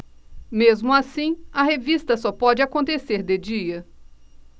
mesmo assim a revista só pode acontecer de dia